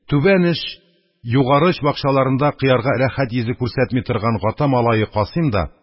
Түбән оч, югары оч бакчаларында кыярга рәхәт йөзе күрсәтми торган Гата малае Касыйм да,